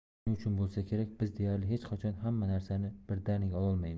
shuning uchun bo'lsa kerak biz deyarli hech qachon hamma narsani birdaniga ololmaymiz